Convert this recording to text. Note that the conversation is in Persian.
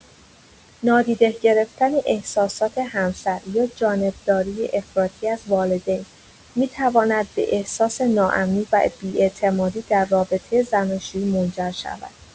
نادیده گرفتن احساسات همسر یا جانبداری افراطی از والدین، می‌تواند به احساس ناامنی و بی‌اعتمادی در رابطه زناشویی منجر شود.